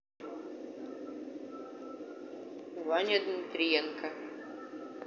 ваня дмитренко